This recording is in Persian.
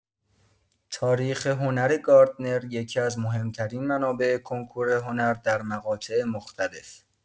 تاریخ هنر گاردنر یکی‌از مهمترین منابع کنکور هنر در مقاطع مختلف